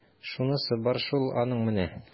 Шунысы бар шул аның менә! ..